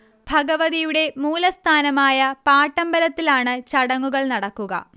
ഭഗവതിയുടെ മൂലസ്ഥാനമായ പാട്ടമ്പലത്തിലാണ് ചടങ്ങുകൾ നടക്കുക